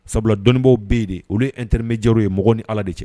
Sabula dɔnibaw bɛe de olu nteɛnw ye m ni ala de cɛ